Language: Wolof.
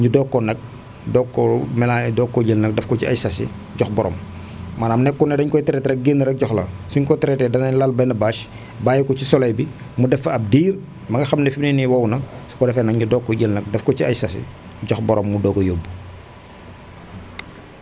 ñu doog ko nag doog koo mélangé doog koo jël nag def ko ci ay sachet jox borom maanaam nekkul ne dañu koy traité rek génn rek jox la su ñu ko traité danañ lal benn bâche bàyyi ko ci soleil bi mu def fa ab diir ba nga xam ne fi mu ne nii wow na su ko defee nag ñu doog ko jël nag def ko ci ay sachets jox borom mu doog a yóbbu